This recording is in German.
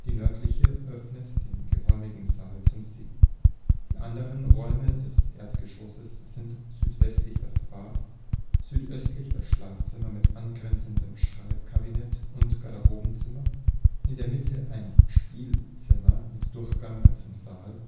nördliche öffnet den geräumigen Saal zum See. Die anderen Räume des Erdgeschosses sind: südwestlich das Bad, südöstlich das Schlafzimmer mit angrenzendem Schreibkabinett und Garderobenzimmer, in der Mitte ein Spielezimmer mit Durchgang zum Saal